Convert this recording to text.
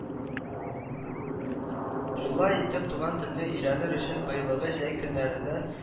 Шулай итеп туган телне өйрәнер өчен быелыгы җәй көннәрендә